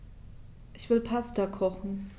Ich will Pasta kochen.